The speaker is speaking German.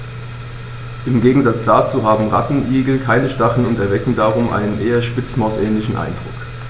Im Gegensatz dazu haben Rattenigel keine Stacheln und erwecken darum einen eher Spitzmaus-ähnlichen Eindruck.